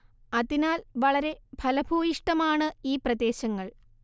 അതിനാൽ വളരെ ഫലഭൂയിഷ്ടമാണ് ഈ പ്രദേശങ്ങൾ